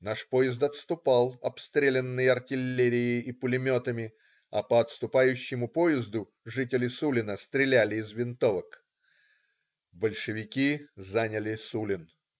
Наш поезд отступал, обстрелянный артиллерией и пулеметами, а по отступающему поезду жители Сулина стреляли из винтовок. Большевики заняли Сулин.